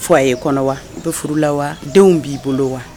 foyer kɔnɔ wa? I bɛ furu la wa ?denw b'i bolo wa?